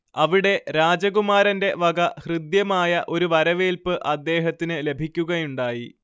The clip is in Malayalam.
അവിടെ രാജകുമാരന്റെ വക ഹൃദ്യമായ ഒരു വരവേൽപ്പ് അദ്ദേഹത്തിന് ലഭിക്കുകയുണ്ടായി